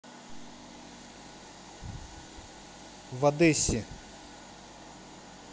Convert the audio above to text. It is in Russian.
в одессе